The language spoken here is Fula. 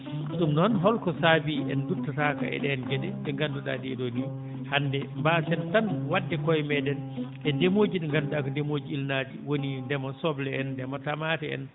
ɗum noon holko saabi en nduttataako e ɗeen geɗe ɗe ngannduɗaa ɗee ɗoo nii hannde mbaassen tan waɗde koye meeɗen e ndemooji ɗi ngannduɗaa ko ndemooji ilnaaɗi woni ndema soble en ndema tamaate en